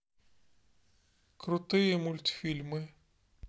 крутые мультфильмы